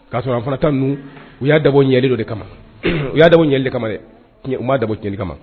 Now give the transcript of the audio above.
Kasɔrɔ a fana tan ninnu u y'a dabɔ ɲɛli dɔ de kama u y'a dabɔ ɲɛli kama dɛ u'a dabɔ ɲɛli kama